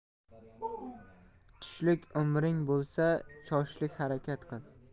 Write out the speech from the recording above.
tushlik umring bo'lsa choshlik harakat qil